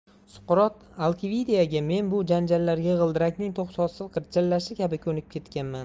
suqrot alkiviadga men bu janjallarga g'ildirakning to'xtovsiz g'irchillashi kabi ko'nikib ketganman